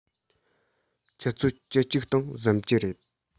ཆུ ཚོད བཅུ གཅིག སྟེང གཟིམ གྱི རེད